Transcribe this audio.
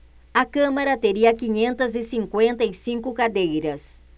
a câmara teria quinhentas e cinquenta e cinco cadeiras